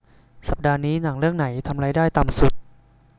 สัปดาห์นี้หนังเรื่องไหนทำรายได้ต่ำสุด